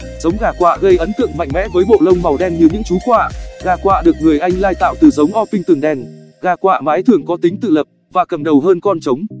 giống gà quạ gây ấn tượng mạnh mẽ với bộ lông màu đen như những chú quạ gà quạ được người anh lai tạo từ giống orpington đen gà quạ mái thường có tính tự lập và cầm đầu hơn con trống